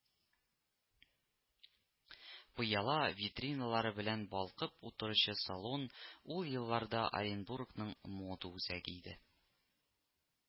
Пыяла витриналары белән балкып утыручы салон ул елларда Оренбургның мода үзәге иде